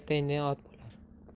erta indin ot bo'lar